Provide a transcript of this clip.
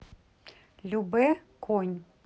любэ конь